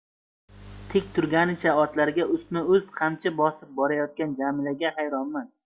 tik turganicha otlarga ustma ust qamchi bosib borayotgan jamilaga xayronman